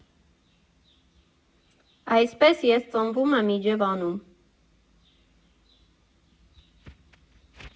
Այսպես ես ծնվում եմ Իջևանում։